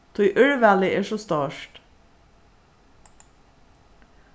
tí úrvalið er so stórt